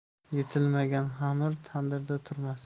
yetilmagan xamir tandirda turmas